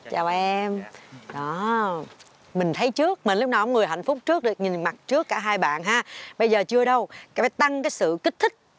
chào em đó mình thấy trước mà lúc nào cũng người hạnh phúc trước được nhìn mặt trước cả hai bạn ha bây giờ chưa đâu tăng cái sự kích thích